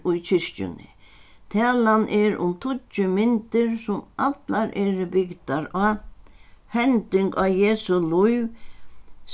í kirkjuni talan er um tíggju myndir sum allar eru bygdar á hending á jesu lív